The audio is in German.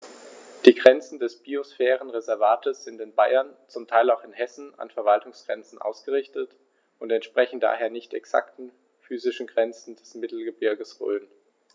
Die Grenzen des Biosphärenreservates sind in Bayern, zum Teil auch in Hessen, an Verwaltungsgrenzen ausgerichtet und entsprechen daher nicht exakten physischen Grenzen des Mittelgebirges Rhön.